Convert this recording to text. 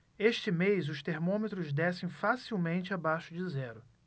este mês os termômetros descem facilmente abaixo de zero